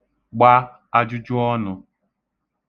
gba ajụjụọnụ̄